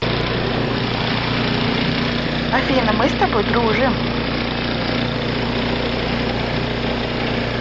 афина мы с тобой дружим